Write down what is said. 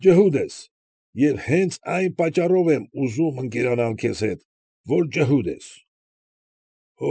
Ջհուդ ես, ես էլ հենց այն պատճառով եմ ուզում ընկերանալ քեզ հետ, որ ջհուդ ես։